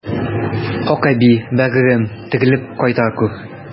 Акъәби, бәгырем, терелеп кайта күр!